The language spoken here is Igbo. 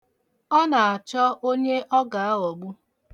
Ọ na-achọ onye ọ ga-aghọgbu.